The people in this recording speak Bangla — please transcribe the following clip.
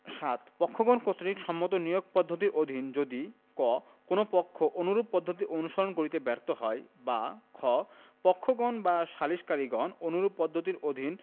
৭ পক্ষগণ কর্তৃক সম্মত নিয়োগ পদ্ধতির অধীন যদি ক কোন পক্ষ অনুরূপ পদ্ধতি অনুসরণ করিতে ব্যর্থ হয় বা খ পক্ষগণ বা সালিসকারীগণ অনুরূপ পদ্ধতির অধীন